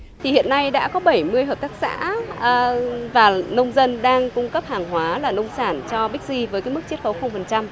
thì hiện nay đã có bảy mươi hợp tác xã và nông dân đang cung cấp hàng hóa là nông sản cho bíc xi với mức chiết khấu không phần trăm